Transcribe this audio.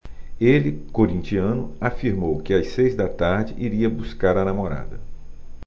ele corintiano afirmou que às seis da tarde iria buscar a namorada